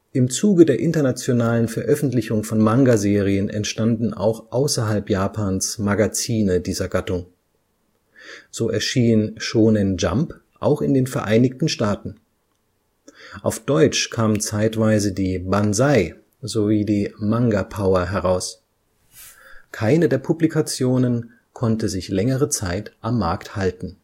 Im Zuge der internationalen Veröffentlichung von Mangaserien entstanden auch außerhalb Japans Magazine dieser Gattung. So erschien Shōnen Jump auch in den Vereinigten Staaten. Auf Deutsch kamen zeitweise die Banzai! sowie die Manga Power heraus. Keine der Publikationen konnte sich längere Zeit am Markt halten